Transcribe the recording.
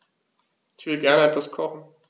Ich will gerne etwas kochen.